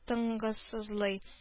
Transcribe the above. Тынгысызлый